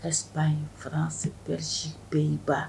S inransi psi bɛɛ in ba